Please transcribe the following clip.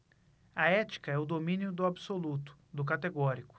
a ética é o domínio do absoluto do categórico